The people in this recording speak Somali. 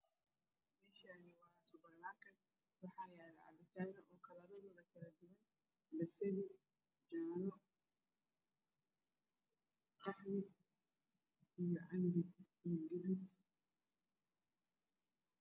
Meeshaan waa subur markad waxaa yaalo cabitaano oo kala nuuc ah sida basali jaalo qaxwi iyo cambe iyo gaduud.